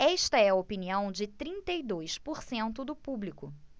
esta é a opinião de trinta e dois por cento do público